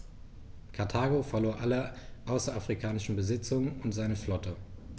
Karthago verlor alle außerafrikanischen Besitzungen und seine Flotte.